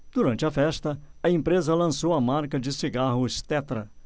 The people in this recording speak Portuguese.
durante a festa a empresa lançou a marca de cigarros tetra